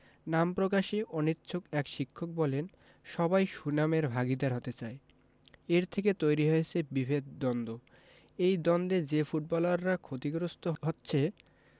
নাম প্রকাশে অনিচ্ছুক এক শিক্ষক বললেন সবাই সুনামের ভাগীদার হতে চায় এর থেকে তৈরি হয়েছে বিভেদ দ্বন্দ্ব এই দ্বন্দ্বে যেই ফুটবলাররা ক্ষতিগ্রস্ত হচ্ছে